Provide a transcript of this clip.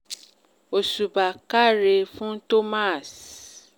Òṣùbà káre fún Thomas.